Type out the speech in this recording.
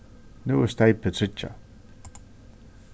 nú er steypið tryggjað